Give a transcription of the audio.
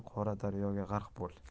qora daryoga g'arq bo'l